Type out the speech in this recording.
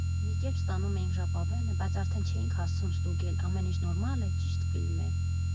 Մի կերպ ստանում էինք ժապավենը, բայց արդեն չէինք հասցնում ստուգել՝ ամեն ինչ նորմա՞լ է, ճի՞շտ ֆիլմ է։